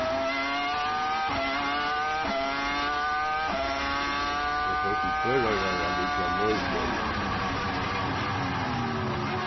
eg fór til tvøroyrar at vitja morbróður